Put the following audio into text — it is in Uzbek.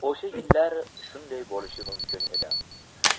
o'sha yillar shunday bo'lishi mumkin edi